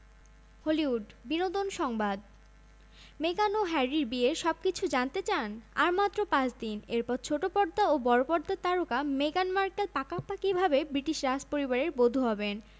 Hollywood বিনোদন সংবাদ মেগান ও হ্যারির বিয়ের সবকিছু জানতে চান আর মাত্র পাঁচ দিন এরপর ছোট পর্দা ও বড় পর্দার তারকা মেগান মার্কেল পাকাপাকিভাবে ব্রিটিশ রাজপরিবারের বধূ হবেন